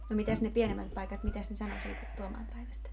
no mitäs ne pienemmät paikat mitäs ne sanoi siitä Tuomaan päivästä